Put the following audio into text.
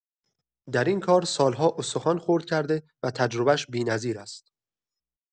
در این کار سال‌ها استخوان خرد کرده و تجربه‌اش بی‌نظیر است.